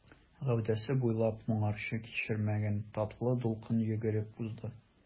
Гәүдәсе буйлап моңарчы кичермәгән татлы дулкын йөгереп узды.